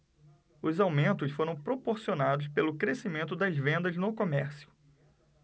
os aumentos foram proporcionados pelo crescimento das vendas no comércio